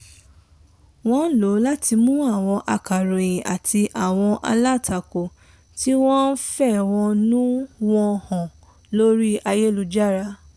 Wọ́n ń lò ó láti mú àwọn akọ̀ròyìn àti àwọn alátakò tí wọ́n ń fẹ̀hónú wọn hàn lórí ayélujára.